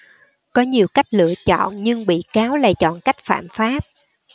có nhiều cách lựa chọn nhưng bị cáo lại chọn cách phạm pháp